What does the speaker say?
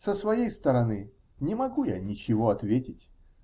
Со своей стороны, не могу я ничего ответить.